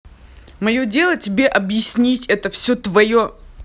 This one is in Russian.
мое дело тебе объяснить это все твое